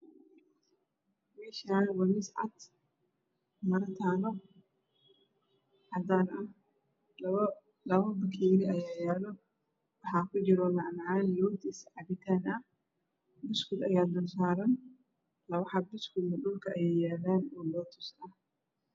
Meeshaani waa miis cad maro talo cadaan ah labo bakeeri ayaa yalo waxaa ku jiraan mac macaan buskud ayaa saaran labo xabo buskud dhulka yaalaan